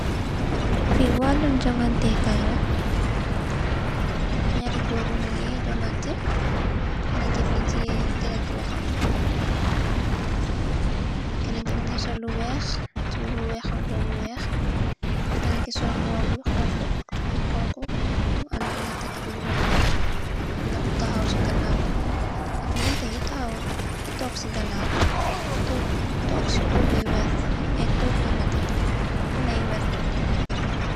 Fee walum juganteh kaye la nyari goor nuge juganteh kenen ke muge teye kenen ke lohom be kenen ke muge sol lu weex tubaye bu weex ak muba bu weex kenen ke sol muba bu xonxo ak tubaye bu xonxo mu am lu neteh ak lu werta amna ku tahaw se ganawam ak nyenta yu tahaw tonke se ganaw tonke se toogu yu werte ah toogu yu neteh ak beda yu werte.